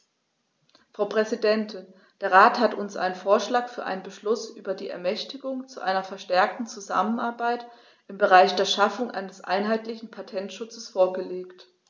Frau Präsidentin, der Rat hat uns einen Vorschlag für einen Beschluss über die Ermächtigung zu einer verstärkten Zusammenarbeit im Bereich der Schaffung eines einheitlichen Patentschutzes vorgelegt.